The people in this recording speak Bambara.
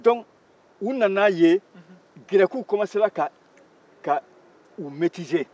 dɔnku u nana yen gɛrɛgiw komansera k'u metize